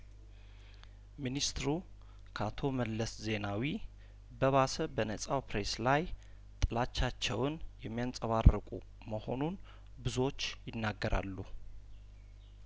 ሚኒስትሩ ከአቶ መለስ ዜናዊ በባሰ በነጻው ፕሬስ ላይ ጥላቻቸውን የሚያንጸባርቁ መሆኑን ብዙዎች ይናገራሉ